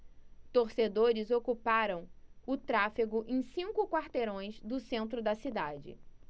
torcedores ocuparam o tráfego em cinco quarteirões do centro da cidade